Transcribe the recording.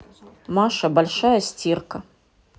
маша большая стирка